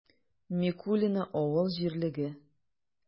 Микулино авыл җирлеге